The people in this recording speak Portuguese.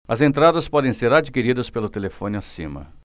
as entradas podem ser adquiridas pelo telefone acima